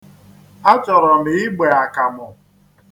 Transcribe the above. Achọrọ m igbe akamụ.